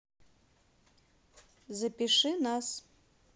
запиши нас